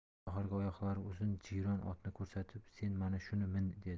tohirga oyoqlari uzun jiyron otni ko'rsatib sen mana shuni min dedi